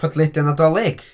Podlediad Nadolig.